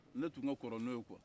n tun ka kɔrɔ n'o ye kuwa